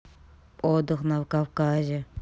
отдых на кавказе